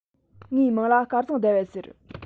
ངའི མིང ལ སྐལ བཟང ཟླ བ ཟེར